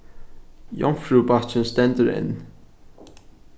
jomfrúbakkin stendur enn